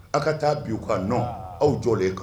Aw ka taa bin u kan non aw jɔlen kan